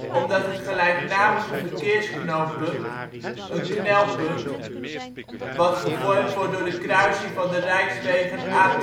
omdat het gelijknamige verkeersknooppunt (en knelpunt) wat gevormd wordt door de kruising van de rijkswegen A2 en A27